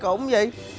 khủng gì